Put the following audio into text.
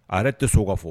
A yɛrɛ tɛ so ka fɔ